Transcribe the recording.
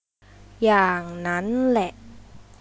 อย่างนั้ั้นแหละ